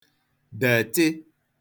detị [borrowed]